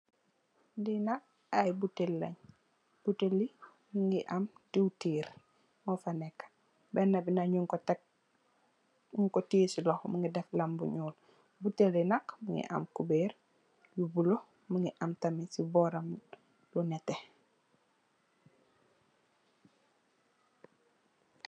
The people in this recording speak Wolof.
Lii nak aiiy butel len, butehli njungy am diwtirr mofa neka, benah bii nak njung kor tek njung kor tiyeh cii lokhor, mungy deff lam bu njull, butehli nak mungy am couberre blue, mungy am tamit cii bohram bu nehteh.